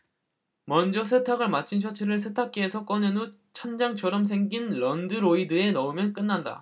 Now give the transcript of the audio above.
먼저 세탁을 마친 셔츠를 세탁기에서 꺼낸 후 찬장처럼 생긴 런드로이드에 넣으면 끝난다